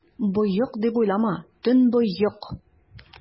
Боек, дип уйлама, төнбоек!